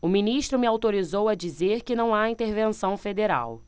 o ministro me autorizou a dizer que não há intervenção federal